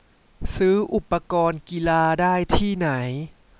ซื้ออุปกรณ์กีฬาได้ที่ไหน